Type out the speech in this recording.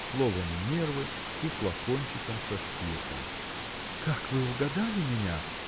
словом нервы и флакончиком со спиртом. – Как вы угадали меня!